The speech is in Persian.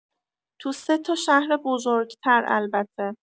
تو سه‌تا شهر بزرگ‌تر البته